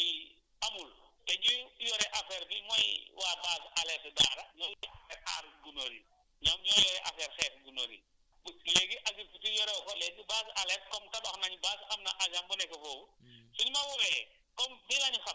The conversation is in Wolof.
voilà comme dèjà oto yi amul te ñu yore affaire bi mooy waa base alerte Daara loolu dafay aar gunóor yi ñoom ñoo yore affaire xeex gunóor yi puisque léegi agriculture yore wu ko léegi base su alerte comme tabax nañu base am na agent bu nekk foofu